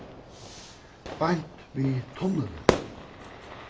beint við tunnilin